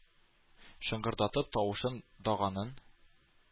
Шыңгырдатып тавышын даганың